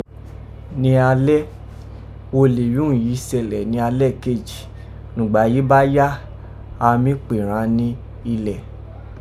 Ní alẹ́, wo lè rí urun yìí sẹlẹ̀ ni alẹ́ kejì ; nùgbà yìí bá yá, a mí pè ghán ni ilẹ̀.